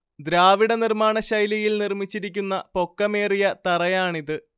ദ്രാവിഡ നിർമ്മാണശൈലിയിൽ നിർമ്മിച്ചിരിക്കുന്ന പൊക്കമേറിയ തറയാണിത്